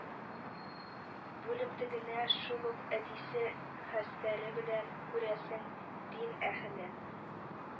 Бүлемтегенә шул ук әтисе хәстәре белән, күрәсең, дин әһеле